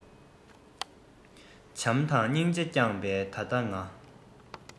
བྱམས དང སྙིང རྗེས བསྐྱང པས ད ལྟའི ང